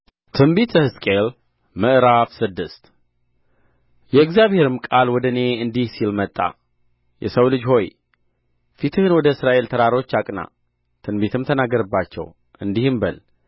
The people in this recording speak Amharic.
ትንቢተ ሕዝቅኤል ምዕራፍ ስድስት የእግዚአብሔርም ቃል ወደ እኔ እንዲህ ሲል መጣ የሰው ልጅ ሆይ ፊትህን ወደ እስራኤል ተራሮች አቅና ትንቢትም ተናገርባቸው እንዲህም በል